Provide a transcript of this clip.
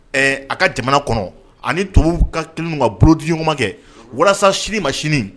Ɛɛ a ka jamana kɔnɔ ani tobabu ka kelen ka bolodikɛ walasa sini ma sini